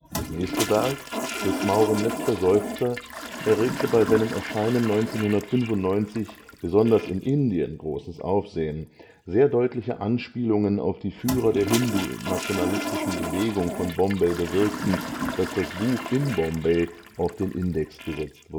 Gesamtwerk. Das nächste Werk, Des Mauren letzter Seufzer, erregte bei seinem Erscheinen 1995 besonders in Indien großes Aufsehen, sehr deutliche Anspielungen auf die Führer der Hindu-nationalistischen Bewegung von Bombay bewirkten, dass das Buch in Bombay auf den Index gesetzt